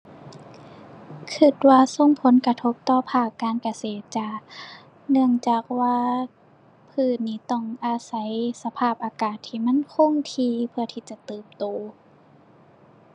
คิดว่าส่งผลกระทบต่อภาคการเกษตรจ้า เนื่องจากว่าพืชนี่ต้องอาศัยสภาพอากาศที่มันคงที่ เพื่อที่จะเติบโต